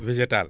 végétal